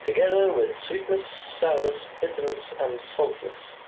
Together with sweetness, sourness, bitterness and saltiness.